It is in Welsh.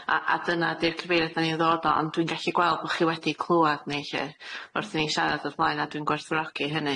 a a dyna 'di'r cyfeiriad 'dan ni'n ddod o. Ond dwi'n gallu gweld bo' chi wedi clŵad ni lly, wrth i ni siarad o'r blaen, a dwi'n gwerthfawrogi hynny.